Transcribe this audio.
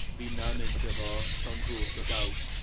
Finna'n mynd efo llon bŵt o gaws.